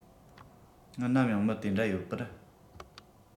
ང ནམ ཡང མི དེ འདྲ ཡོད པར